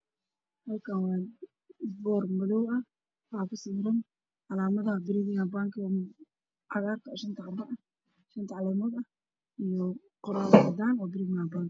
Halkaan waa boor madow waxaa kusawiran calaamadaha premier bank oo cagaar ah oo shanta caleemood ah iyo qoraal cadaan ah oo premier bank ah.